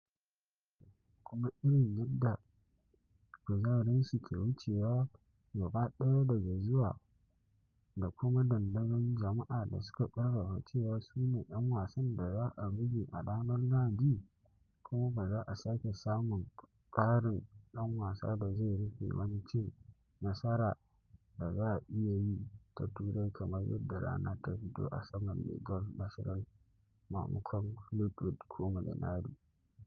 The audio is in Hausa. Wannan ya wuce, kuma irin yadda kuzarinsu ke wucewa gaba ɗaya daga zuwa da kuma dandazon jama’a da suka ƙarfafa cewa su ne ‘yan wasan da za a buge a ranar Lahdi, kuma ba za a sake samun ƙarin ɗan wasa da zai rufe wani cin nasara da za a iya yi ta Turai kamar yadda rana ta fito a saman Le Golf National maimakon Fleetwood ko Molinari.